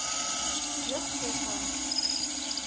Яхшы, хан.